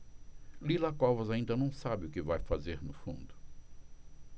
lila covas ainda não sabe o que vai fazer no fundo